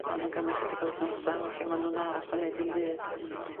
ma' nw'n gymy chydig o wthnosa weithia' ma' nw'n aros a neud dim byd. Hmm.